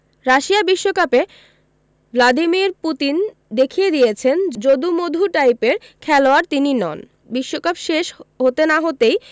Russia বিশ্বকাপে Vladimir Putin দেখিয়ে দিয়েছেন যদু মধু টাইপের খেলোয়াড় তিনি নন বিশ্বকাপ শেষে হতে না হতেই